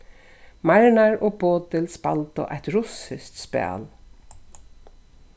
marnar og bodil spældu eitt russiskt spæl